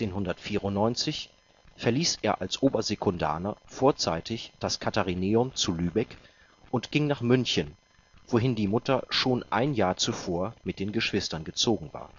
1894 verließ er als Obersekundaner vorzeitig das Katharineum zu Lübeck und ging nach München, wohin die Mutter schon ein Jahr zuvor mit den Geschwistern gezogen war